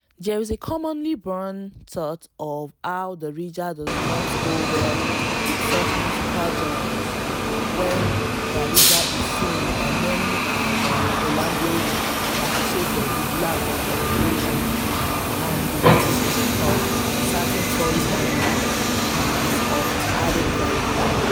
There is a commonly borne thought of how Darija does not go well with such musical genres where Darija is seen by many as a language associated with lack of education, and the acquisition of certain foreign languages is of added value.